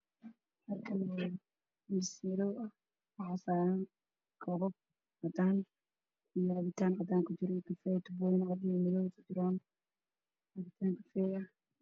Halkaan waxaa ka muuqda sadex koob oo biyo color koodu uu yahay cadaan iyo qaxwi miiskana uu saaran yahay waa qaxwi